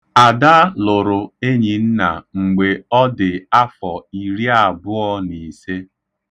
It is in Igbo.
Ada lụ̀rụ̀ Enyinna mgbè ọ dị afọ iri abùo n' ìse.